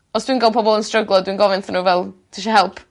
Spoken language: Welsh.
os dwi'n gwel' pobol yn stryglo dwi'n gofyn wtho n'w fel tisio help?